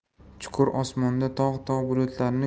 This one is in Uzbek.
chuqur osmonda tog' tog'